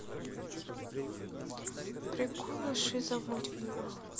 приколы шиза в мультфильмах